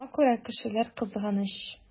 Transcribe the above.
Шуңа күрә кешеләр кызганыч.